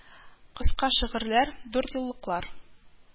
Кыска шигырьләр, дүртьюллыклар